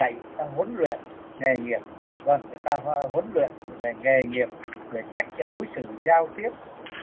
người ta huấn luyện nghề nghiệp vâng người ta huấn luyện về nghề nghiệp về cách đối xử giao tiếp